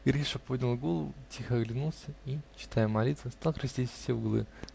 Гриша поднял голову, тихо оглянулся и, читая молитвы, стал крестить все углы.